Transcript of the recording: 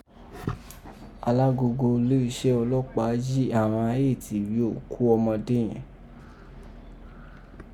Alagogo uleesẹ ọlọpaa jí àghan éè ti ri oku ọmọde yẹ̀n.